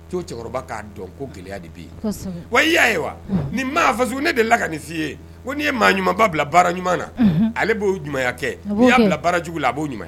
' cɛkɔrɔba k'a dɔn ko gɛlɛya de bɛ yen wa i y'a ye wa ni maa faso ne de la ka nin f'i ye n'i ye maa ɲumanumaba bila baara ɲuman na ale b'o ɲuman kɛ n'i y'a bila bara jugu a b'o ɲuman